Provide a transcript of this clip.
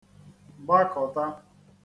gbakọ̀ta